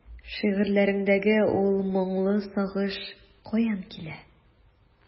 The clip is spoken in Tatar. Шигырьләреңдәге ул моңлы сагыш каян килә?